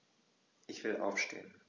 Ich will aufstehen.